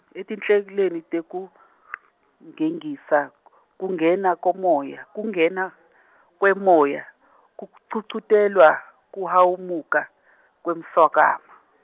etinhlelweni tekugegisa k- kungena kwemoya kungena kwemoya kugcugcutela kuhamuka kwemswakama.